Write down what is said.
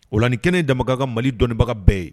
O la ni kɛnɛ in dama ka mali dɔnniibaga bɛɛ ye